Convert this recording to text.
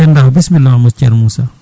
Pendaw bisimilla ma ceerno Moussa